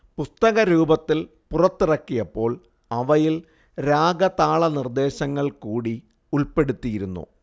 പുസ്തകരൂപത്തിൽ പുറത്തിറക്കിയപ്പോൾ അവയിൽ രാഗതാള നിർദ്ദേശങ്ങൾ കൂടി ഉൾപ്പെടുത്തിയിരുന്നു